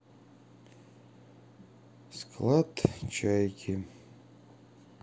склад чайки